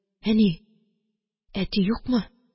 – әни! әти юкмы?